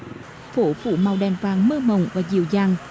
phố phủ màu đèn vàng mơ mộng và dịu dàng